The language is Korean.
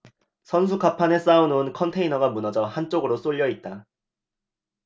선수 갑판에 쌓아놓은 컨테이너가 무너져 한쪽으로 쏠려 있다